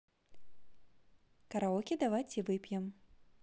караоке давайте выпьем